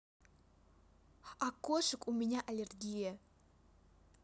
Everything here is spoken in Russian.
а кошек у меня аллергия